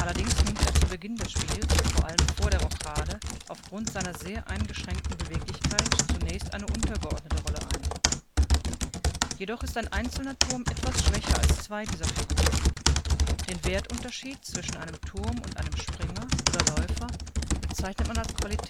(allerdings nimmt er zu Beginn des Spiels, v. a. vor der Rochade, auf Grund seiner sehr eingeschränkten Beweglichkeit zunächst eine untergeordnete Rolle ein). Jedoch ist ein einzelner Turm etwas schwächer als zwei dieser Figuren. Den Wertunterschied zwischen einem Turm und einem Springer oder Läufer bezeichnet man als Qualität